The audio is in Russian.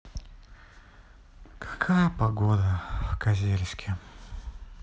какая погода в казельске